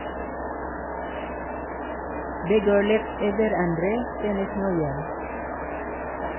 Det går litt i hverandre, synes Nguyen.